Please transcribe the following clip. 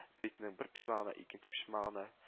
Битенең бер почмагына икенче почмагына